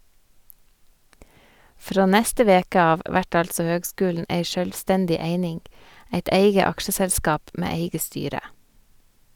Frå neste veke av vert altså høgskulen ei sjølvstendig eining, eit eige aksjeselskap med eige styre.